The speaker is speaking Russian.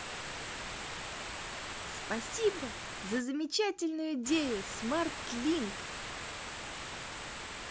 спасибо за замечательную идею смартлинк